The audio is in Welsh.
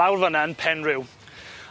Lawr fyn' na yn Penriw.